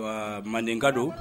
Ɔ mandenka don